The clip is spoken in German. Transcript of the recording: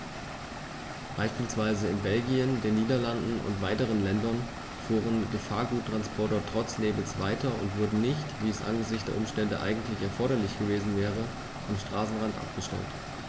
Beispielsweise in Belgien, den Niederlanden und weiteren Ländern fuhren Gefahrguttransporter trotz Nebels weiter und wurden nicht, wie es angesichts der Umstände eigentlich erforderlich gewesen wäre, am Straßenrand abgestellt.